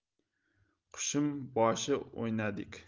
qushim boshi o'ynadik